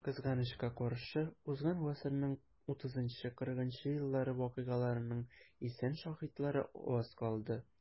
Кызганычка каршы, узган гасырның 30-40 еллары вакыйгаларының исән шаһитлары аз калды.